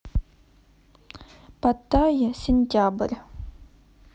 паттайя сентябрь